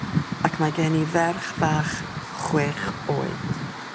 ... ac mae gen i ferch fach chwech oed.